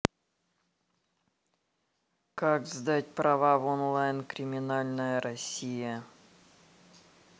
как сдать права в онлайн криминальная россия